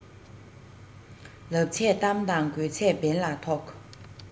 ལབ ཚད གཏམ དང དགོས ཚད འབེན ལ ཕོག